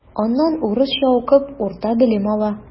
Аннан урысча укып урта белем ала.